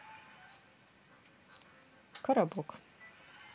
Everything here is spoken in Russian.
коробок